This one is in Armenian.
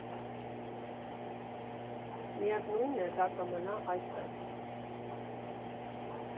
Միևնույն է, դա կմնա այստեղ։